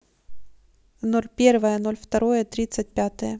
ноль первое ноль второе тридцать пятое